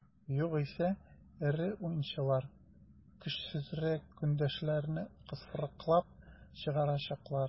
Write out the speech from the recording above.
Югыйсә эре уенчылар көчсезрәк көндәшләрне кысрыклап чыгарачаклар.